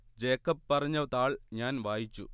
Jacob പറഞ്ഞ താൾ ഞാൻ വായിച്ചു